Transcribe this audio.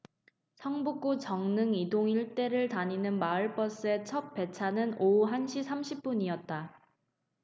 성북구 정릉 이 동 일대를 다니는 마을버스의 첫 배차는 오후 한 시 삼십 분이었다